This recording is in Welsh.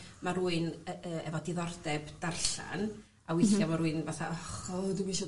ma' rywun e- e- efo diddordeb darllan a withia ma' rywun fatha o dwi'm isio...